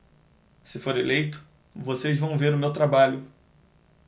se for eleito vocês vão ver o meu trabalho